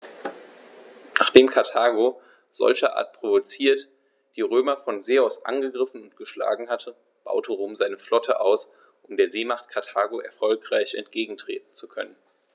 Nachdem Karthago, solcherart provoziert, die Römer von See aus angegriffen und geschlagen hatte, baute Rom seine Flotte aus, um der Seemacht Karthago erfolgreich entgegentreten zu können.